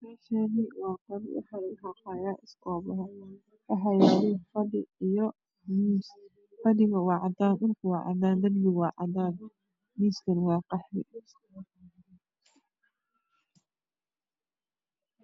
Me Shani wa qol waxa lagu xaqaya iskobaha waxa yalo fa dhi iya miis fa dhi ga wa cadan dhul ka wa cadan der biga wa cadan miis Kuna wa qaxwi